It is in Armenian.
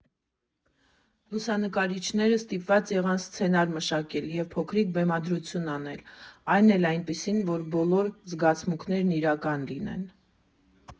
Լուսանկարիչները ստիպված եղան սցենար մշակել և փոքրիկ բեմադրություն անել, այն էլ այնպիսին, որ բոլոր զգացմունքներն իրական լինեին։